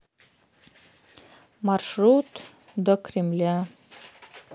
маршрут до кремля